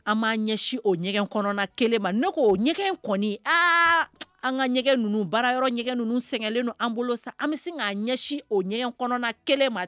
An b'an ɲɛsin o ɲɛgɛn kɔnɔna 1 ma ne ko ɲɛgɛn in kɔni aa an ka ɲɛgɛn ninnu baara yɔrɔ ɲɛgɛn ninnu sɛgɛnlen do an bolo sa an bɛ se k'an ɲɛsin o ɲɛgɛn kɔnɔna 1 ma